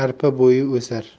arpa bo'yi o'sar